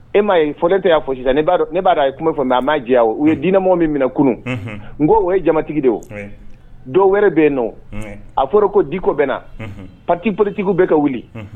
E ma ye fɔ ne tɛ y'a fɔ sisan ne b'a ye kuma bɛ fɔ a m maa jɛ u ye diinɛmɔgɔ min minɛ kunun n ko o ye jamatigi de dɔw wɛrɛ bɛ yen nɔ a fɔra ko diko bɛna patipolitigitigiw bɛ ka wuli